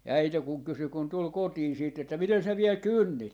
ja äiti kun kysyi kun tuli kotiin sitten että miten sinä vielä kynnit